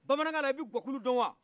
bamanakanna ibi guakulu dɔn wa